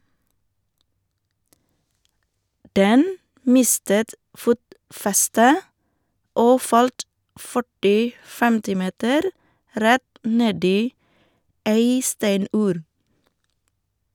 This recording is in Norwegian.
- Den mistet fotfestet og falt 40-50 meter rett ned i ei steinur.